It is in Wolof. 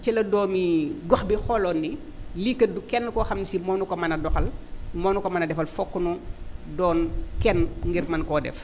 ci la doom yi gox bi xooloon ni lii kat du kenn koo xam ni si moonu ko mën a doxal moonu ko mën a defal foog ñu doon kenn ngir mën koo def